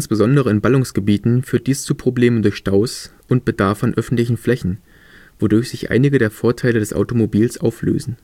Ballungsgebieten führt dies zu Problemen durch Staus und Bedarf an öffentlichen Flächen, wodurch sich einige der Vorteile des Automobils auflösen